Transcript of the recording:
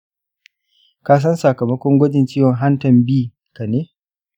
ka san sakamakon gwajin ciwon hantan b ka ne?